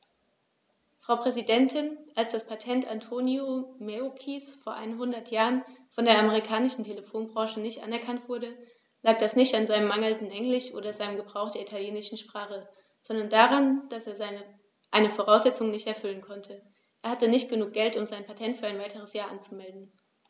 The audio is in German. Frau Präsidentin, als das Patent Antonio Meuccis vor einhundert Jahren von der amerikanischen Telefonbranche nicht anerkannt wurde, lag das nicht an seinem mangelnden Englisch oder seinem Gebrauch der italienischen Sprache, sondern daran, dass er eine Voraussetzung nicht erfüllen konnte: Er hatte nicht genug Geld, um sein Patent für ein weiteres Jahr anzumelden.